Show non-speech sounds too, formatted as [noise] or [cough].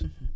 [hesitation] [hesitation]